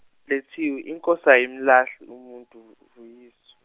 lethiwe iNkosi ayimlahl- umuntu Vuyis-.